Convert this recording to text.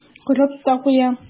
Корып та куя.